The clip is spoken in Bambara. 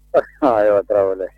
Aa' tarawele